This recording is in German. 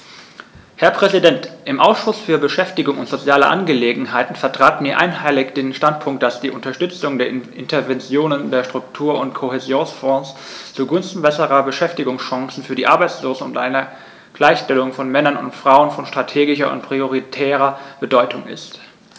Herr Präsident, im Ausschuss für Beschäftigung und soziale Angelegenheiten vertraten wir einhellig den Standpunkt, dass die Unterstützung der Interventionen der Struktur- und Kohäsionsfonds zugunsten besserer Beschäftigungschancen für die Arbeitslosen und einer Gleichstellung von Männern und Frauen von strategischer und prioritärer Bedeutung ist.